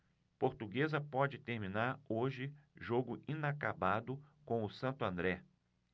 portuguesa pode terminar hoje jogo inacabado com o santo andré